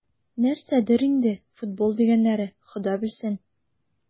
Нәрсәдер инде "футбол" дигәннәре, Хода белсен...